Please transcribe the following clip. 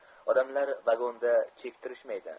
odamlar vagonda chektirishmaydi